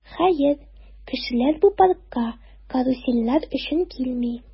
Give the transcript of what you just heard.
Хәер, кешеләр бу паркка карусельләр өчен килми.